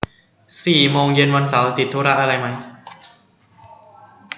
สี่โมงเย็นวันเสาร์ติดธุระอะไรมั้ย